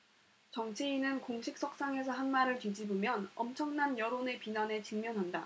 정치인은 공식 석상에서 한 말을 뒤집으면 엄청난 여론의 비난에 직면한다